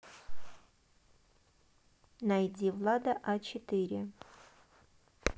найди влада а четыре